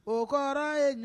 O kɔrɔ ye